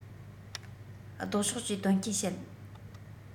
ལྡོག ཕྱོགས ཀྱི དོན རྐྱེན བཤད